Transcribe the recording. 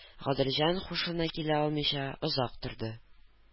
Гаделҗан һушына килә алмыйча озак торды